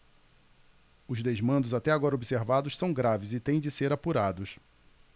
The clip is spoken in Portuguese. os desmandos até agora observados são graves e têm de ser apurados